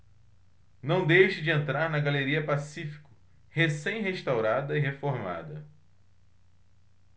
não deixe de entrar na galeria pacífico recém restaurada e reformada